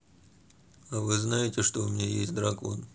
а вы знаете что у меня есть дракон